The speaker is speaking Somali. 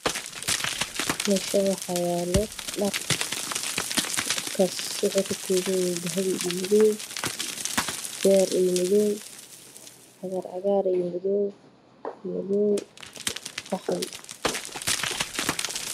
Meeshaan waxaa yaalo dhar. Dharkaas waxay ka kooban yihiin dahabi iyo madow. Beer iyo madow. Cagaar iyo madow iyo qaxwi.